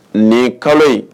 Nin kalo in